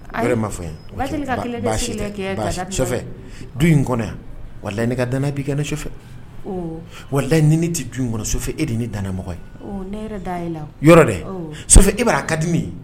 Ayi, i m'a fɔ ɲana, baasi tɛ, du in yan _ wallahi ne ka danaya b'i kan dɛ; ɔ, Sɔfɛ wallahi ni ne tɛ du kɔnɔ, Sɔfɛ e de ye ka ne danayamɔgɔ, ɔ ne yɛrɛ da l'e la wo, yɔrɔ dɛ ! Sɔfɛ e b'a ka di ne ye